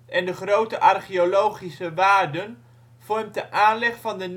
en de grote archeologische waarden vormt de aanleg van de